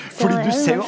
så er jo .